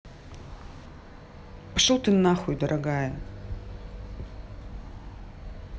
пошел ты нахуй дорогая